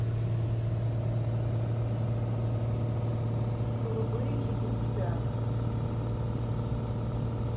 голубые ебуть себя